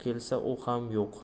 kelsa u ham yo'q